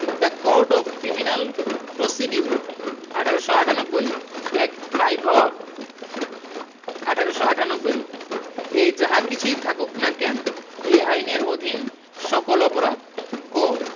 the code of criminal procedure ১৮৯৮ act five of ১৮৯৮ এ যাহা কিছুই থাকুক না কেন এই আইনের অধীন সকল অপরাধ ক